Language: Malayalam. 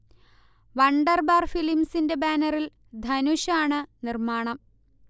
വണ്ടർബാർ ഫിലിംസിൻെറ ബാനറിൽ ധനുഷ് ആണ് നിർമ്മാണം